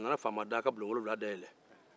a nana faama da ka bulon wulonwula dayɛlɛn